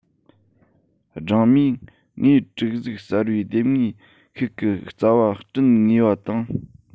སྦྲང མས ངོས དྲུག གཟུགས གསར པའི ལྡེབས ངོས ཤིག གི རྩ བ སྐྲུན ངེས པ དང